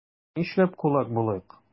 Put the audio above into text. Нишләп кулак булыйк?